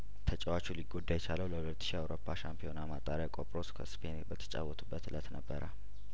ተጫዋቹ ሊጐዳ የቻለው ለሁለት ሺ የአውሮፓ ሻምፒዮና ማጣሪያ ቆጵሮስ ከስፔን በተጫወቱበት እለት ነበረ